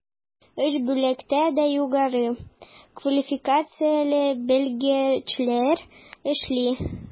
Өч бүлектә дә югары квалификацияле белгечләр эшли.